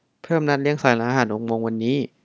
เพิ่มนัดเลี้ยงสายรหัสหกโมงวันนี้